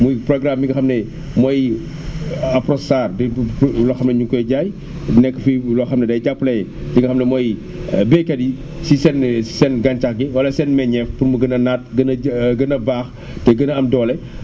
muy programme bi nga xam ne mooy Apronstar di loo xam ne ñu ngi koy jaay mu nekk fi loo xam ne day jàppale ki nga xam ne mooy baykat yi si seen si seen gàncax gi wala seen meññeef pour mu gën a naat gën a gën a baax te gën a am doole